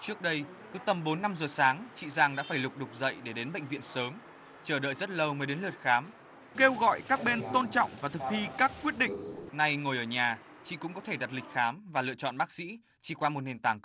trước đây cứ tầm bốn năm giờ sáng chị giang đã phải lục đục dậy để đến bệnh viện sớm chờ đợi rất lâu mới đến lượt khám kêu gọi các bên tôn trọng và thực thi các quyết định nay ngồi ở nhà chị cũng có thể đặt lịch khám và lựa chọn bác sĩ chỉ qua một nền tảng